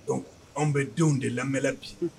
Dɔnku anw bɛ denw de lamɛnla bi